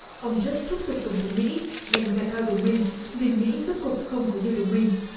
ông thớt thúc giục tổng thống mỹ đánh giá cao đồng minh vì mỹ rốt cục không có nhiều đồng minh